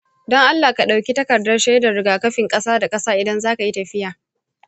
don allah ka ɗauki takardar shaidar rigakafin ƙasa da ƙasa idan za ka yi tafiya.